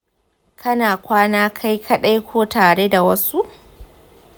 kana kwana kai kaɗai ko tare da wasu?